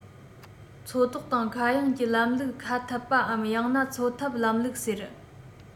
མཚོ ཐོག དང མཁའ དབྱིངས ཀྱི ལམ ལུགས མཁའ འཐབ པའམ ཡང ན མཚོ འཐབ ལམ ལུགས ཟེར